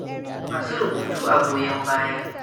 Masu rubutu a goyon baya